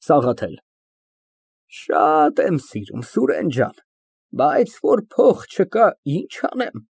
ՍԱՂԱԹԵԼ ֊ Շատ եմ սիրում, Սուրեն ջան, բայց որ փող չկա, ի՞նչ անեմ։